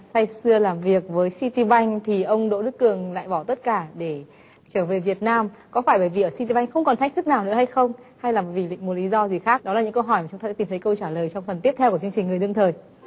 say sưa làm việc với xi ti banh thì ông đỗ đức cường lại bỏ tất cả để trở về việt nam có phải bởi vì ở xi ti banh không còn thách thức nào nữa hay không hay là vì một lý do gì khác đó là những câu hỏi mà chúng ta sẽ tìm thấy câu trả lời trong phần tiếp theo của chương trình người đương thời